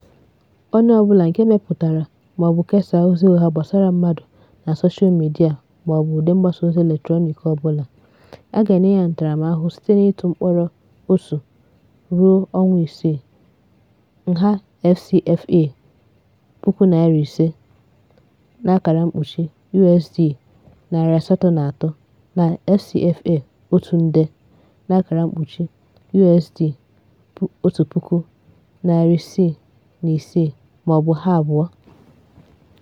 Onye ọ bụla nke mepụtara maọbụ kesaa ozi ụgha gbasara mmadụ na mgbasaozi soshal midịa maọbụ ụdị mgbasaozi eletrọniik ọbụla a ga-enye ya ntaramahụhụ site n'ịtụ mkpọrọ otu (01) ruo ọnwa isii (06), nha FCFA 500,000 (USD 803) na FCFA 1,000,000 (USD 1,606), maọbụ ha abụọ.